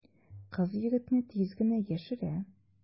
Кыз егетне тиз генә яшерә.